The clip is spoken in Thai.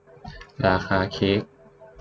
ราคาเค้ก